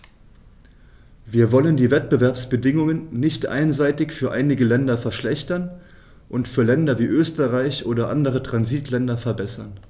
Wir wollen die Wettbewerbsbedingungen nicht einseitig für einige Länder verschlechtern und für Länder wie Österreich oder andere Transitländer verbessern.